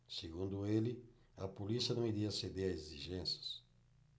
segundo ele a polícia não iria ceder a exigências